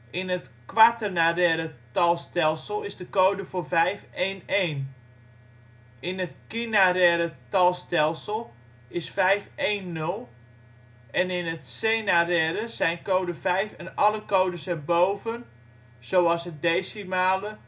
In het quaternaraire talstelsel is code vijf 11 In het quinaraire talstelsel is vijf 10; en in het senaraire zijn code vijf en alle codes erboven (zoals het decimale